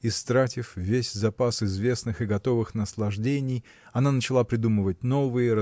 Истратив весь запас известных и готовых наслаждений она начала придумывать новые